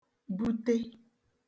bute